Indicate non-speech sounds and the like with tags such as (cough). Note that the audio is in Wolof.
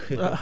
(hesitation) (hesitation)